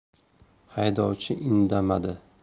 haydovchi indamadi